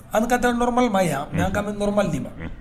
An ka taaɔrɔma in ma yan an ka bɛ nɔrɔma de ma